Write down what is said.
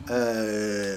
Ɛɛ